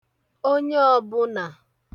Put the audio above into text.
onye òbụnà